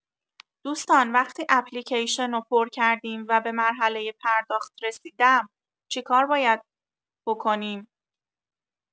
دوستان وقتی اپلیکیشنو پر کردیم و به مرحله پرداخت رسیدم چیکار باید بکنیم؟